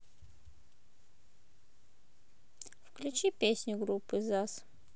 включи песню группы заз